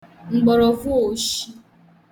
m̀gbọ̀rọ̀vụ oshi